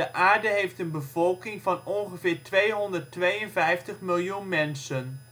Aarde: Bevolking van ongeveer 252 miljoen mensen